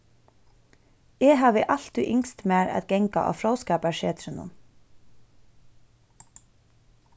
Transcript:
eg havi altíð ynskt mær at ganga á fróðskaparsetrinum